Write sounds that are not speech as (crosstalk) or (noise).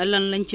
(hesitation) (hesitation)